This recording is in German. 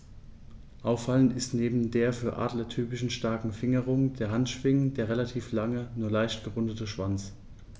Auffallend ist neben der für Adler typischen starken Fingerung der Handschwingen der relativ lange, nur leicht gerundete Schwanz.